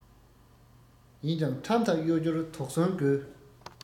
ཡིན ཀྱང ཁྲམ དང གཡོ སྒྱུར དོགས ཟོན དགོས